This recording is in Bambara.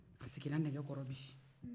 a sigira nɛgɛ kɔrɔ bi